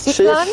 Syth lan?